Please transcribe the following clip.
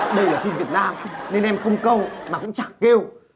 đây là phim việt nam nên em không câu mà cũng chẳng kêu